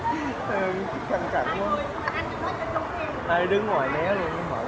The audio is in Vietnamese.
ừ cẳng thẳng quá hai đứng ngoài mé luôn